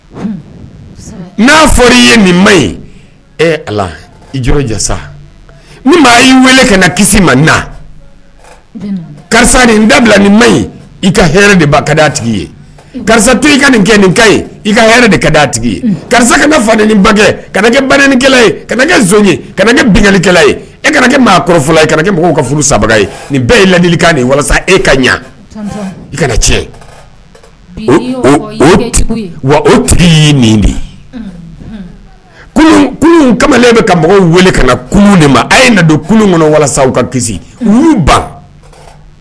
N'a fɔra i ye nin ma ɲi i ni maa i weele ka kisi ma na karisa ni dabila ni ma ɲi i ka de ka tigi ye karisa to i ka nin kɛ nin ka i ka de ka tigi ye karisa kana fa bangekɛ kana kɛ banikɛla ye ka kɛ ye ka kɛlikɛla e kana kɛ maa kɔrɔfɔlɔ ye e kana kɛ mɔgɔw furu saba ye nin bɛɛ ye ladili ka nin walasa e ka ɲɛ i kana tiɲɛ wa o tigi nin de ye kamalen bɛ ka mɔgɔw weele ka ma a ye na don kɔnɔ ka ban